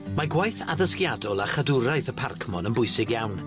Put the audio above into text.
Mae gwaith addysgiadol a chadwraeth y parcmon yn bwysig iawn.